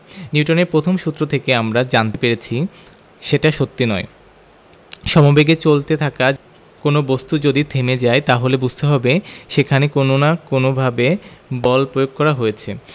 নিউটনের প্রথম সূত্র থেকে আমরা জানতে পেরেছি সেটা সত্যি নয় সমবেগে চলতে থাকা কোনো বস্তু যদি থেমে যায় তাহলে বুঝতে হবে সেখানে কোনো না কোনোভাবে বল প্রয়োগ করা হয়েছে